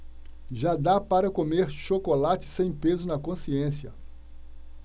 já dá para comer chocolate sem peso na consciência